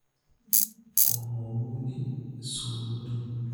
Omoyole Sowore